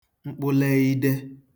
mkpụlụ eide